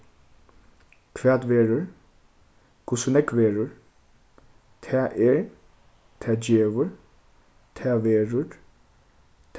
hvat verður hvussu nógv verður tað er tað gevur tað verður